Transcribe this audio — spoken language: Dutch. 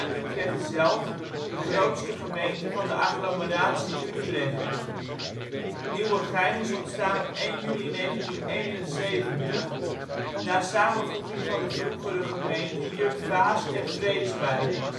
Utrecht zelf de grootste gemeente van de agglomeratie Utrecht. Nieuwegein is ontstaan op 1 juli 1971 na samenvoeging van de vroegere gemeenten Jutphaas en Vreeswijk